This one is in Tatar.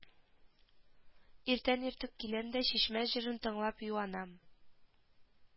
Иртән-иртүк киләм дә чишмә җырын тыңлап юанам